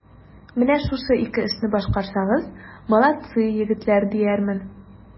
Менә шушы ике эшне башкарсагыз, молодцы, егетләр, диярмен.